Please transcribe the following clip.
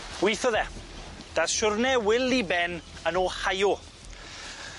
Weithodd e. Dath siwrne Wil i ben yn Ohio.